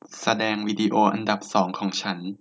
แสดงวิดีโออันดับสองของฉัน